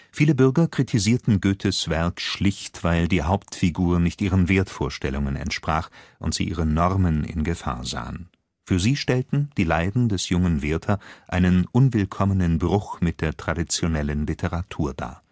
Viele Bürger kritisierten Goethes Werk schlicht, weil die Hauptfigur nicht ihren Wertvorstellungen entsprach und sie ihre Normen in Gefahr sahen. Für sie stellten „ Die Leiden des jungen Werther “einen unwillkommenen Bruch mit der traditionellen Literatur dar